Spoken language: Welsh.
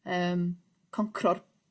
yym concro'r